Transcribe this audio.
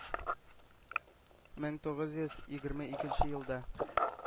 Мең тугыз йөз егерме икнче елда